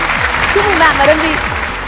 chúc mừng bạn và đơn vị